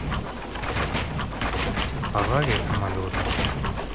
авария самолета